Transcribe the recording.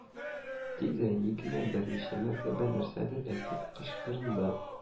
Тик Зәйни генә берничә мәртәбә нәрсәдер әйтеп кычкырынды